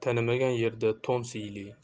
tanimagan yerda to'n siyli